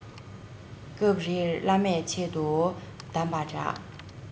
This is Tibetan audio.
སྐབས རེར བླ མས ཆེད དུ གདམས པ འདྲ